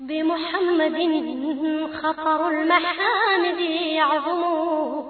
Denmugɛninunɛgɛnin yo